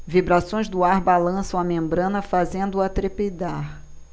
vibrações do ar balançam a membrana fazendo-a trepidar